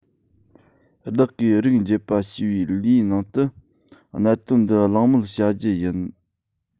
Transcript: བདག གིས རིགས འབྱེད པ ཞེས པའི ལེའུ ནང དུ གནད དོན འདི གླེང མོལ བྱ རྒྱུ ཡིན